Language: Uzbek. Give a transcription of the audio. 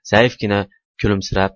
zaifgina kulimsirab